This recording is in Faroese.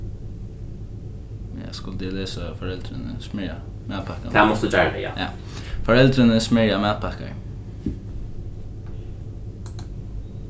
foreldrini smyrja matpakkar